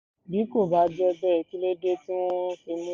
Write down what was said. Bí kò bá jẹ́ bẹ́ẹ̀, kílódé tí wọ́n fi mú wa?